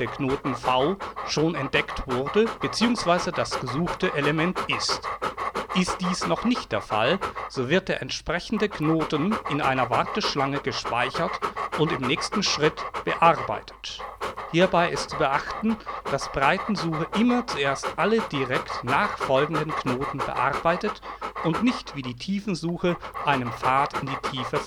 Knoten v schon entdeckt wurde bzw. das gesuchte Element ist. Ist dies noch nicht der Fall, so wird der entsprechende Knoten in einer Warteschlange gespeichert und im nächsten Schritt bearbeitet. Hierbei ist zu beachten, dass Breitensuche immer zuerst alle direkt nachfolgenden Knoten bearbeitet, und nicht wie die Tiefensuche einem Pfad in die Tiefe